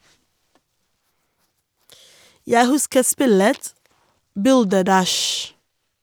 - Jeg husker spillet "Bulderdash".